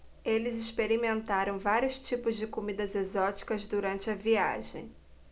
eles experimentaram vários tipos de comidas exóticas durante a viagem